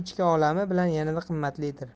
ichki olami bilan yanada qimmatlidir